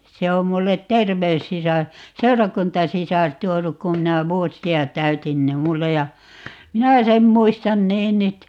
sen on minulle terveyssisar seurakuntasisar tuonut kun minä vuosia täytin niin minulle ja minä sen muistan niin nyt